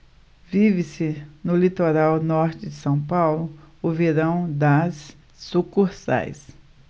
vive-se no litoral norte de são paulo o verão das sucursais